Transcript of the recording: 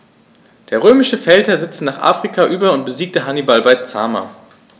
Der römische Feldherr setzte nach Afrika über und besiegte Hannibal bei Zama.